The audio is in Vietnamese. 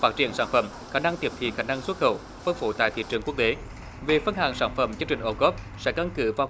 phát triển sản phẩm khả năng tiếp thị khả năng xuất khẩu phân phối tại thị trường quốc tế về phân hạng sản phẩm chương trình ô cóp sẽ căn cứ vào